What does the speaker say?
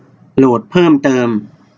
โหลดเพิ่มเติม